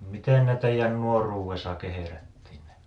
miten ne teidän nuoruudessa kehrättiin ne